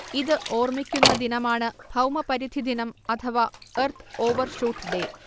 ഇത് ഓർമിക്കുന്ന ദിനമാണ് ഭൗമപരിധിദിനം അഥവാ എർത്ത് ഓവർ ഷൂട്ട്ഡേ